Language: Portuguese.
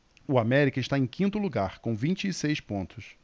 o américa está em quinto lugar com vinte e seis pontos